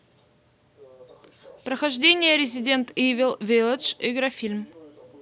прохождение resident evil village игрофильм